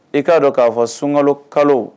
I k'a dɔn k'a fɔ sunkalo kalo